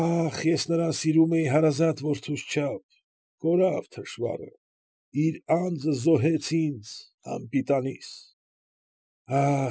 Ա՜խ, ես նրան սիրում էի հարազատ որդուս չափ։ Կորա՜վ թշվառը, իր անձը զոհեց ինձ, անպիտանիս։